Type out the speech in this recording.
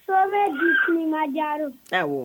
Ko bɛ bi su in na jiarɔ.